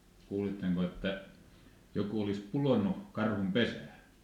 kuulitteko että joku olisi pudonnut karhun pesään